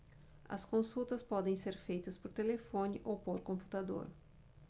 as consultas podem ser feitas por telefone ou por computador